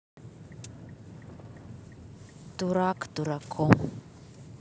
дурак дураком